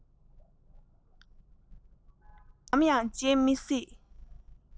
ངས ནམ ཡང བརྗེད མི སྲིད